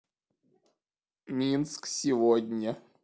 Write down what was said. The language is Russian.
минск сегодня